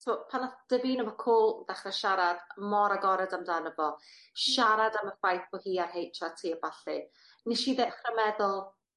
t'wo' pan nath Davina McCall ddechre siarad mor agored amdano fo siarad am y faith bod hi ar Heitch Are Tee a ballu nesh i ddechre meddwl